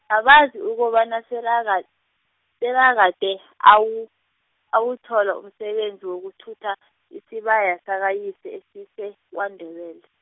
abazi ukobana selakad-, selakade, awu- awuthola umsebenzi wokuthutha, isibaya sakayise asise kwaNdebele.